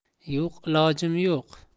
yo'q ilojim yo'q